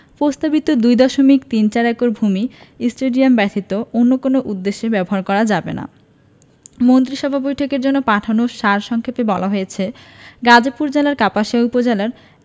প্রস্তাবিত ২ দশমিক তিন চার একর ভূমি স্টেডিয়াম ব্যতীত অন্য কোনো উদ্দেশ্যে ব্যবহার করা যাবে না মন্ত্রিসভা বৈঠকের জন্য পাঠানো সার সংক্ষেপে বলা হয়েছে গাজীপুর জেলার কাপাসিয়া উপজেলার